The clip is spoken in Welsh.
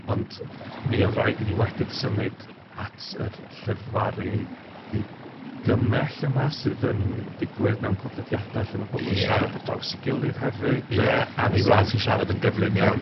ond mi o'dd raid i ni wedyn symud at yr llefaru digymell yma, sydd yn digwydd mewn podlediada lle ma' pobol... Ie. ...yn siarad ar draws ei gilydd hefyd... Ie, a ni wlad sy'n siarad yn gyflym iawn.